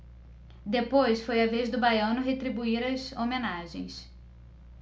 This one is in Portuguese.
depois foi a vez do baiano retribuir as homenagens